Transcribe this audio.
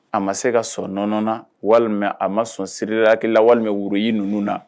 A ma se ka sɔn nɔnɔ na walima a ma sɔn sirilakila walima worohi ninnu na